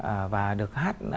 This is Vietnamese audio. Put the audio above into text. à và được hát